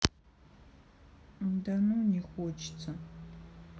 да ну не хочется